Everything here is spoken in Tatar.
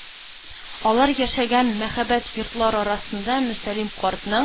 Алар яшәгән мәһабәт йортлар арасында Мөсәллим картның